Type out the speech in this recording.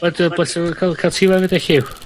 Roedd yn bleser efo ca'l ca'l ti mewn 'fyd Elliw.